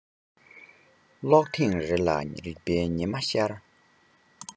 ཀློག ཐེངས རེ ལ རིག པའི ཉི མ ཤར